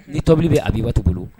Ni tobili bɛ Abibatu bolo